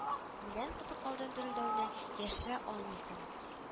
Үлән кытыклаудан дерелдәүне яшерә алмыйсың